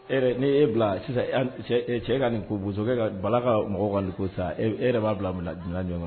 E yɛrɛ n'i ye e bila sisan cɛ ka nin ka Bala ka mɔgɔw ka nin ko sisan e yɛrɛ b'a bila b minan jumɛn in kɔnɔ?